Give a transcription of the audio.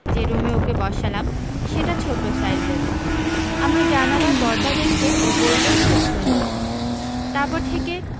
যে রুমে ওকে বসালাম সেটা ছোটো সাইজের আমার জানালার পর্দা দেখে ও বোললো খুব সুন্দর তারপর থেকে